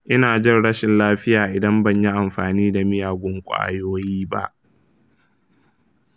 ina jin rashin lafiya idan ban yi amfani da miyagun ƙwayoyi ba.